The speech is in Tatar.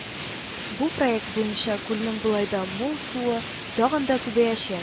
Бу проект буенча күлнең болай да мул суы тагын да күбәяч